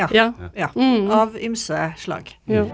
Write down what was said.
ja ja ja.